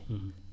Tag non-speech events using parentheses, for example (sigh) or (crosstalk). (hesitation) (hesitation)